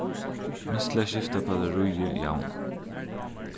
minst til at skifta battaríið javnan